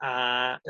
a